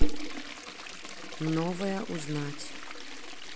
новая узнать